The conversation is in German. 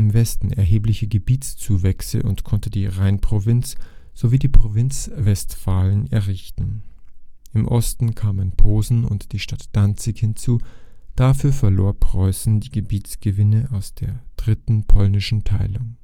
Westen erhebliche Gebietszuwächse und konnte die Rheinprovinz sowie die Provinz Westfalen errichten. Im Osten kamen Posen und die Stadt Danzig hinzu, dafür verlor Preußen die Gebietsgewinne aus der dritten Polnischen Teilung